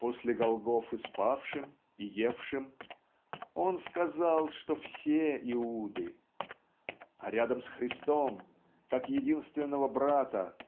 после Голгофы спавшим и евшим он сказал, что все Иуды. А рядом с Христом как единственного брата